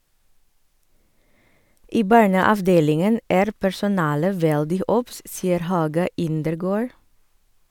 I barneavdelingen er personalet veldig obs, sier Haga Indergaard.